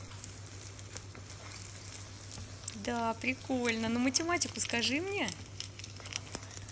да прикольно но математику скажи мне